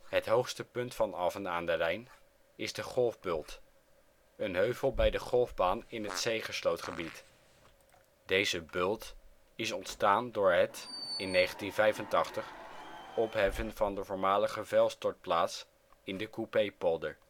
Het hoogste punt van Alphen aan den Rijn is " De golfbult ", een heuvel bij de golfbaan in het Zegerslootgebied. Deze " bult " is ontstaan door het (in 1985) opheffen van de voormalige vuilstortplaats in de Coupépolder